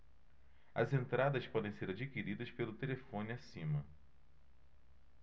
as entradas podem ser adquiridas pelo telefone acima